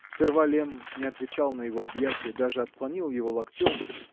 Сперва Лемм не отвечал на его объятие, даже отклонил его локтем